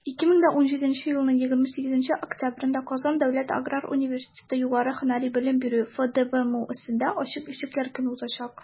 2017 елның 28 октябрендә «казан дәүләт аграр университеты» югары һөнәри белем бирү фдбмусендә ачык ишекләр көне узачак.